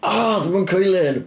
O, dwi'm yn coelio hyn!